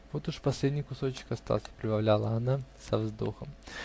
Вот уж последний кусочек остался, -- прибавляла она со вздохом.